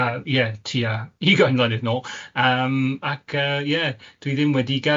...yy ie, tua ugain mlynedd nôl yym ac yy ie dwi ddim wedi gadael.